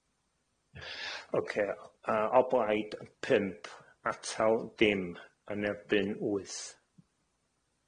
Ocê, yy o blaid, pump. Atal, dim. Yn erbyn, wyth.